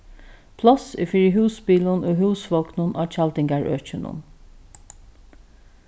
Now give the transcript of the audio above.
pláss er fyri húsbilum og húsvognum á tjaldingarøkinum